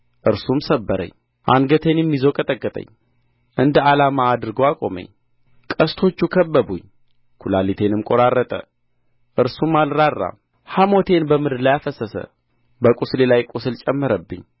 እርሱም ሰበረኝ አንገቴንም ይዞ ቀጠቀጠኝ እንደ ዓላማ አድርጎ አቆመኝ ቀስተኞቹ ከበቡኝ ኵላሊቴንም ቈራረጠ እርሱም አልራራም ሐሞቴን በምድር ላይ አፈሰሰ በቍስል ላይ ቍስል ጨመረብኝ